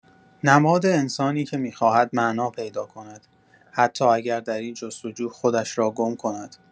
نماد انسانی که می‌خواهد معنا پیدا کند، حتی اگر در این جست‌وجو خودش را گم کند.